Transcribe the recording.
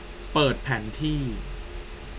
เปิดแผนที่